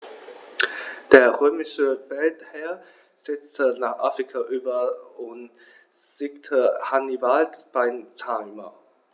Der römische Feldherr setzte nach Afrika über und besiegte Hannibal bei Zama.